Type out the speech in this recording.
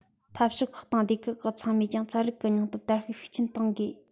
འཐབ ཕྱོགས ཁག དང སྡེ ཁག ཁག ཚང མས ཀྱང ཚན རིག གི སྙིང སྟོབས དར སྤེལ ཤུགས ཆེན གཏོང དགོས